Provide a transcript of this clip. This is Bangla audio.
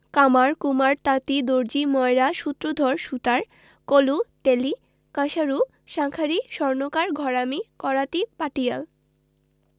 কামার কুমার তাঁতি দর্জি ময়রা সূত্রধর সুতার কলু তেলী কাঁসারু শাঁখারি স্বর্ণকার ঘরামি করাতি পাটিয়াল